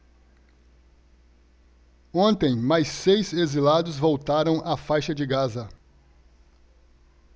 ontem mais seis exilados voltaram à faixa de gaza